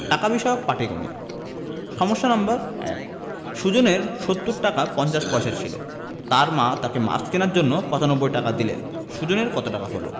টাকা বিষয়ক পাটিগনিতঃ সমস্যা নাম্বার ১ সুজনের ৭০ টাকা ৫০ পয়সা ছিল তার মা তাকে মাছ কেনার জন্য ৯৫ টাকা দিলেন সুজনের কত টাকা হলো